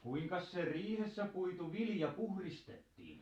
kuinkas se riihessä puitu vilja puhdistettiin